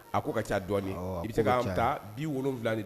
A ko ka ca dɔɔnin i bɛ se ka da bi wolowula de